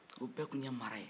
o bɛɛ tun ye mara ye